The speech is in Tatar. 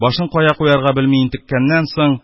Башын кая куярга белми интеккәннән соң,